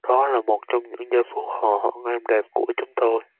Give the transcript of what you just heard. đó là một trong những giây phút hòa hoãn êm đẹp của chúng tôi